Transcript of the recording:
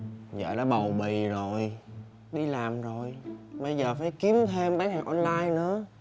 vợ đã bầu bì rồi đi làm rồi bây giờ phải kiếm thêm bán hàng on lai nữa